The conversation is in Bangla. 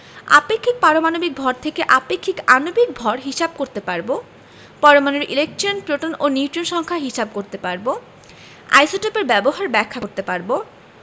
আপেক্ষিক পারমাণবিক ভর থেকে আপেক্ষিক আণবিক ভর হিসাব করতে পারব পরমাণুর ইলেকট্রন প্রোটন ও নিউট্রন সংখ্যা হিসাব করতে পারব আইসোটোপের ব্যবহার ব্যাখ্যা করতে পারব